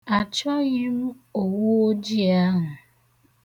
Achọghị m owu ojii ahụ.